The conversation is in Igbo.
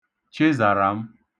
Chịzàràm